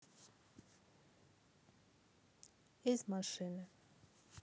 из машины